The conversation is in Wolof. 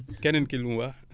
keneen ki lu mu wax